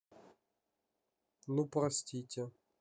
ну простите